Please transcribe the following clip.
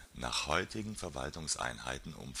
Nach heutigen Verwaltungseinheiten